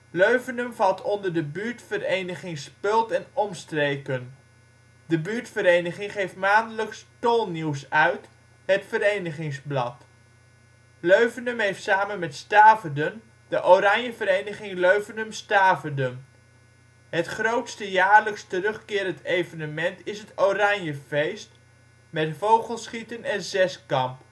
Leuvenum valt onder de ' Buurtvereniging Speuld en omstreken '. De buurtvereniging geeft maandelijks ' Tolnieuws ' uit, het verenigingsblad. Leuvenum heeft samen met Staverden de ' Oranjevereniging Leuvenum/Staverden '. Het grootste jaarlijks terugkerende evenement is het Oranjefeest, met vogelschieten en zeskamp